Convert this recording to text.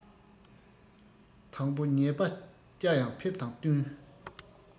དང པོ ཉེས པ བཅའ ཡང ཕེབས དང བསྟུན